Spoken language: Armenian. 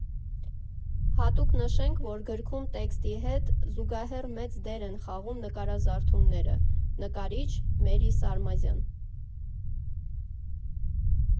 Հատուկ նշենք, որ գրքում տեքստի հետ զուգահեռ մեծ դեր են խաղում նկարազարդումները (նկարիչ՝ Մերի Սարմազյան)։